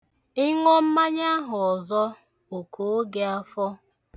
Ị ṅụọ mmanya ọzọ, o koo gị afọ.